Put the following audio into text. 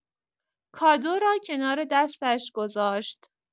کادو را کنار دستش گذاشت.